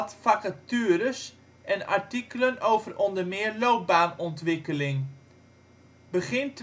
vacatures en artikelen over onder meer loopbaanontwikkeling. Begin